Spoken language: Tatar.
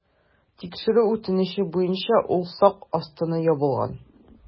Тикшерү үтенече буенча ул сак астына ябылган.